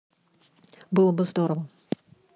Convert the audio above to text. было бы здорово